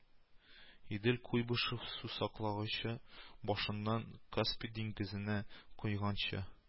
Идел, Куйбышев сусаклагычы башыннан Каспий диңгезенә койганчы